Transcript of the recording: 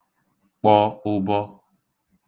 kpọ̄ ụ̄bọ̄